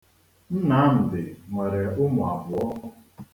Nnamdị nwere ụmụ abụọ.